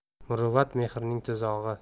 muruvvat mehrning tuzog'i